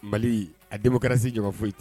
Mali a debo kɛra se ɲuman foyi ten